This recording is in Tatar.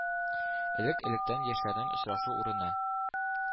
Элек-электән яшьләрнең очрашу урыны.